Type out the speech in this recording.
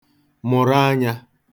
mụ̀rụ anyā [Fig.]